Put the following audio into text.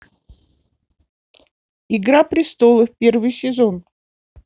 игра престолов первый сезон